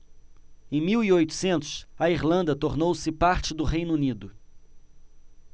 em mil e oitocentos a irlanda tornou-se parte do reino unido